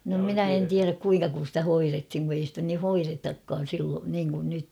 no minä en tiedä kuinka kun sitä hoidettiin kun ei sitä niin hoidetakaan - niin kuin nyt